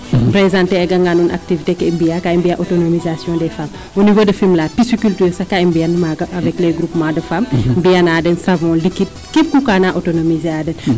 um présenter oogangaan nuun activité ke mbi'aa ka i mbi'aa autonamisation :frra des femmes au nivau de Fimela piciculture sax ka i mbi'an maaga avec les groupement de femmes mbi'an a den savon Liquide kep kaaga autonomiser a den .